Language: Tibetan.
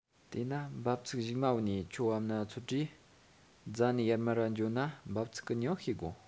དེས ན འབབ ཚིགས གཞུག མ བོ ནས ཁྱོད བབས ན ཚོད དྲེས རྫ ནས ཡར མར ར འགྱོ ན འབབ ཚིགས གི མྱིང ཤེས དགོ